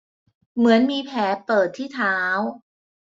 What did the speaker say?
เหมือนมีแผลเปิดที่เท้า